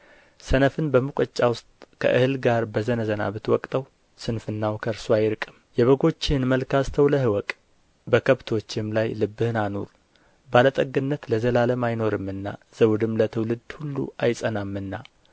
ሰነፍን በሙቀጫ ውስጥ ከእህል ጋር በዘነዘና ብትወቅጠው ስንፍናው ከእርሱ አይርቅም የበጎችህን መልክ አስተውለህ እወቅ በከብቶችህም ላይ ልብህን አኑር ባለጠግነት ለዘላለም አይኖርምና ዘውድም ለትውልድ ሁሉ አይጸናምና